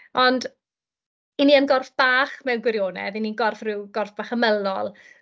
Ond, 'yn ni yn gorff bach mewn gwirionedd, 'yn ni'n gorff... ryw gorff bach ymylol.